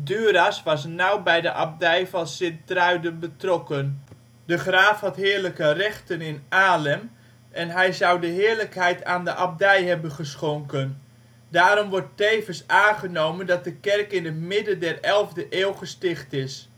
Duras was nauw bij de Abdij van Sint-Truiden betrokken. De graaf had heerlijke rechten in Alem en hij zou de heerlijkheid aan de Abdij hebben geschonken. Daarom wordt tevens aangenomen dat de kerk in het midden der 11e eeuw gesticht is